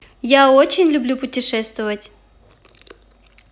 я очень люблю путешествовать